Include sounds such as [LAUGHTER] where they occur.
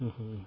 [HESITATION] [HESITATION]